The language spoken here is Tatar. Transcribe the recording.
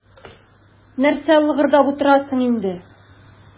Нәрсә лыгырдап утырасың инде.